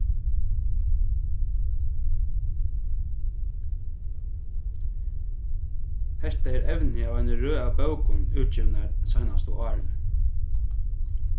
hetta er evni í eini røð av bókum útgivnar seinastu árini